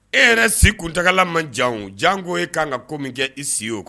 E yɛrɛ si kuntala man jan jan k ko e kan ka ko min kɛ i si o